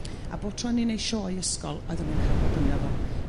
a bo' tro o'n ni neu' sioe ysgol oeddan nhw'n ca'l bod yno fo.